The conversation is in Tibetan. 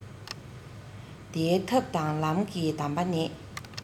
དེའི ཐབས དང ལམ གྱི དམ པ ནི